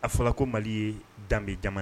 A fɔra ko mali ye danbe ja